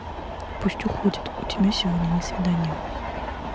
пусть уходит у тебя сегодня не свидания